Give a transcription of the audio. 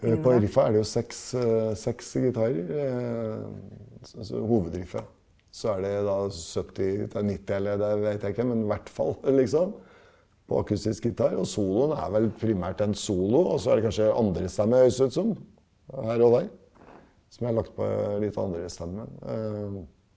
eller på riffet er det jo seks seks gitarer så så hovedriffet så er det da 70 til 90 eller det veit jeg ikke, men hvert fall liksom på akustisk gitar og soloen er vel primært en solo også er det kanskje andrestemme høres det ut som her og der som jeg har lagt på ei lita andrestemme .